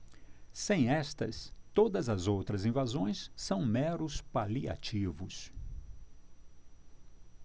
sem estas todas as outras invasões são meros paliativos